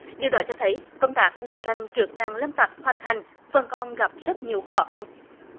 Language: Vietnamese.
điều đó cho thấy công tác đấu tranh trước nạn lâm tặc hoành hành vẫn còn gặp rất nhiều khó khăn